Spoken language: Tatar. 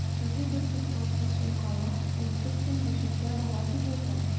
Үзе бертуктаусыз чайкала, әйтерсең бишектә бала тибрәтә.